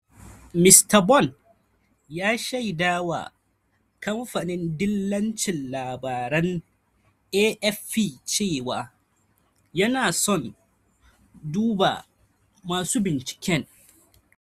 Mista Bone ya shaida wa kamfanin dillancin labaran AFP cewa, yana son 'duba' 'Masu binciken'.